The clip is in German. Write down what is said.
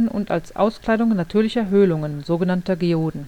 und als Auskleidung natürlicher Höhlungen, so genannter Geoden